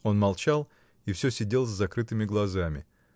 Он молчал и всё сидел с закрытыми глазами.